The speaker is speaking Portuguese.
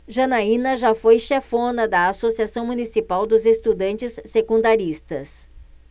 janaina foi chefona da ames associação municipal dos estudantes secundaristas